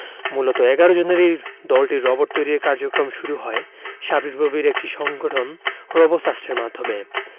মূলত ১১ জনের এই দলটির রোবট তৈরির কার্যক্রম শুরু হয় শাবিপ্রবির একটি সংগঠন রোবোসাস্টের মাধ্যমে